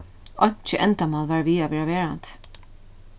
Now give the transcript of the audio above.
einki endamál var við at verða verandi